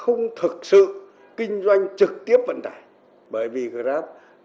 không thực sự kinh doanh trực tiếp vận tải bởi vì gờ ráp